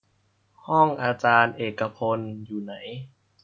ห้องอาจารย์เอกพลอยู่ไหน